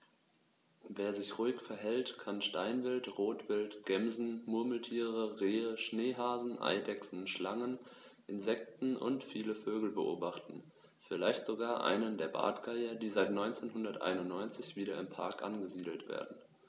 Wer sich ruhig verhält, kann Steinwild, Rotwild, Gämsen, Murmeltiere, Rehe, Schneehasen, Eidechsen, Schlangen, Insekten und viele Vögel beobachten, vielleicht sogar einen der Bartgeier, die seit 1991 wieder im Park angesiedelt werden.